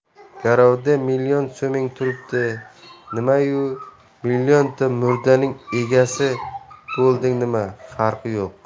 garovda million so'ming turibdi nimayu millionta murdaning egasi bo'lding nima farqi yo'q